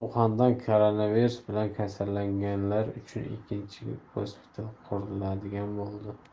uxanda koronavirus bilan kasallanganlar uchun ikkinchi gospital quriladigan bo'ldi